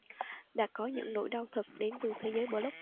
đã có những nỗi đau thật đến từ thế giới blog